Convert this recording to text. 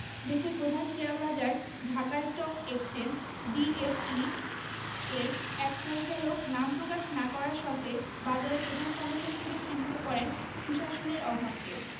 দেশের প্রধান শেয়ারবাজার ঢাকা স্টক এক্সচেঞ্জ ডিএসই এর এক পরিচালক নাম প্রকাশ না করার শর্তে বাজারের প্রধান সমস্যা হিসেবে চিহ্নিত করেন সুশাসনের অভাবকে